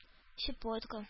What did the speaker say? Щепотка